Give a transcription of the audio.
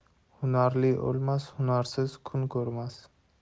hunarli o'lmas hunarsiz kun ko'rmas